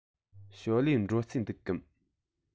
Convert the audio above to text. ཞའོ ལིའི འགྲོ རྩིས འདུག གམ